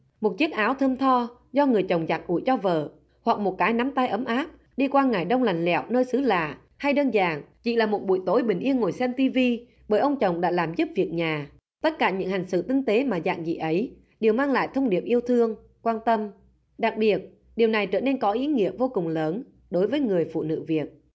một chiếc áo thơm tho do người chồng giặt ủi cho vợ hoặc một cái nắm tay ấm áp đi qua ngày đông lạnh lẽo nơi xứ lạ hay đơn giản chỉ là một buổi tối bình yên ngồi xem ti vi bởi ông chồng đã làm giúp việc nhà tất cả những hành sự tinh tế mà giản dị ấy đều mang lại thông điệp yêu thương quan tâm đặc biệt điều này trở nên có ý nghĩa vô cùng lớn đối với người phụ nữ việt